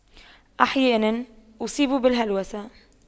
أحيانا أصيب بالهلوسة